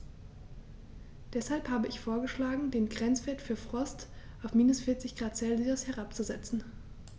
Deshalb habe ich vorgeschlagen, den Grenzwert für Frost auf -40 ºC herabzusetzen.